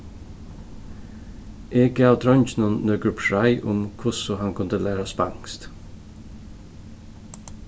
eg gav dreinginum nøkur prei um hvussu hann kundi læra spanskt